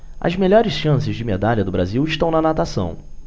as melhores chances de medalha do brasil estão na natação